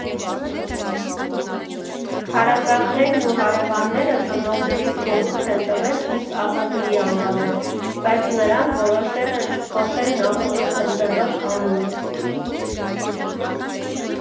Հարազատներն ու հարևանները ծնողներիս խորհուրդ են տվել ինձ Ազատուհի անվանել, բայց նրանք որոշել են չփոխել նախօրոք ընտրված անունը։